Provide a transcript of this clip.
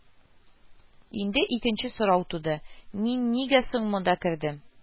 Инде икенче сорау туды: «Мин нигә соң монда кердем